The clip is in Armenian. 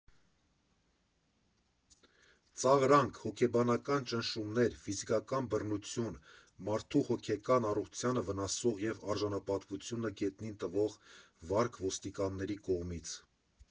Ծաղրանք, հոգեբանական ճնշումներ, ֆիզիկական բռնություն, մարդու հոգեկան առողջությունը վնասող և արժանապատվությունը գետնին տվող վարք ոստիկանների կողմից։